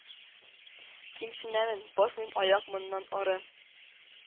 Кимсенәмен, басмыйм аяк моннан ары